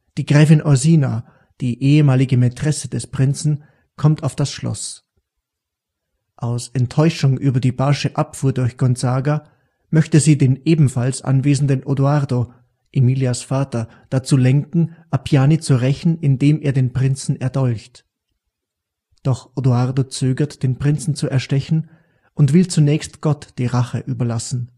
Die Gräfin Orsina, die ehemalige Mätresse des Prinzen, kommt auf das Schloss. Aus Enttäuschung über die barsche Abfuhr durch Gonzaga möchte sie den ebenfalls anwesenden Odoardo, Emilias Vater, dazu lenken, Appiani zu rächen, indem er den Prinzen erdolcht. Doch Odoardo zögert, den Prinzen zu erstechen, und will zunächst Gott die Rache überlassen